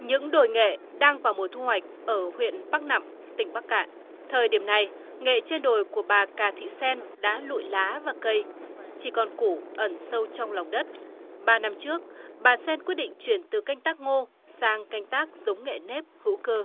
những đồi nghệ đang vào mùa thu hoạch ở huyện pác nặm tỉnh bắc kạn thời điểm này nghệ trên đồi của bà cà thị sen đã lụi lá và cây chỉ còn củ ẩn sâu trong lòng đất ba năm trước bà sen quyết định chuyển từ canh tác ngô sang canh tác giống nghệ nếp hữu cơ